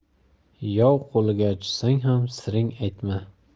yov qo'liga tushsang ham siring aytma